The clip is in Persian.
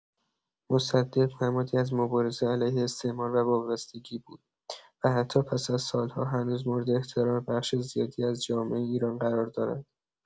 مصدق نمادی از مبارزه علیه استعمار و وابستگی بود و حتی پس از سال‌ها هنوز مورد احترام بخش زیادی از جامعه ایران قرار دارد.